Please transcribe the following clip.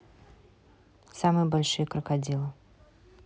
самые большие крокодилы